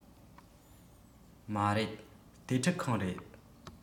མ རེད དེ ཁྲུད ཁང རེད